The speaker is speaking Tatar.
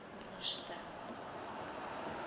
Урнашты